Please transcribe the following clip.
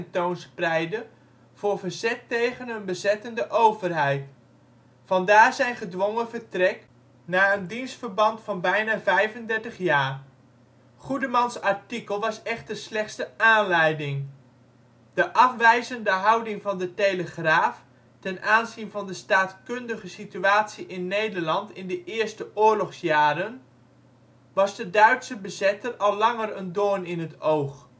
tentoonspreidde voor verzet tegen een bezettende overheid. Vandaar zijn gedwongen vertrek, na een dienstverband van bijna 35 jaar. Goedemans ' artikel was echter slechts de aanleiding. De afwijzende houding van De Telegraaf ten aanzien van de staatkundige situatie in Nederland in de eerste oorlogsjaren, was de Duitse bezetter al langer een doorn in het oog